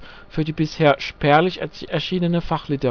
spärlich erschienene Fachliteratur. Natterers